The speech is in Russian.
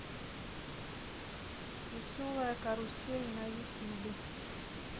веселая карусель на ютубе